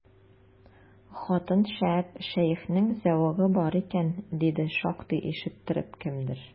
Хатын шәп, шәехнең зәвыгы бар икән, диде шактый ишеттереп кемдер.